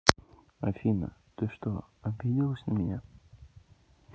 афина ты что обиделась на меня